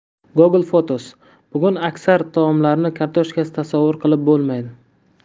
google photosbugun aksar taomlarni kartoshkasiz tasavvur qilib bo'lmaydi